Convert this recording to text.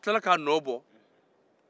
a tilala k'a nɔ bɔ